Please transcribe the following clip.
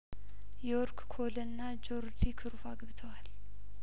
ዮርክ ኮልና ጆር ዲ ክሩፍ አግብተዋል